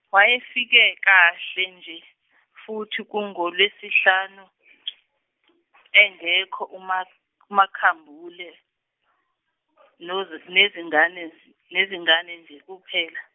Wayefike kahle nje futhi kungolwesihlanu , engekho uMa- uMaKhambule , noze- nezingane nj- nezingane nje kuphela.